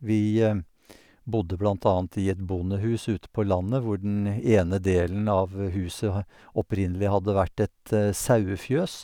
Vi bodde blant annet i et bondehus ute på landet hvor den ene delen av huset ha opprinnelig hadde vært et sauefjøs.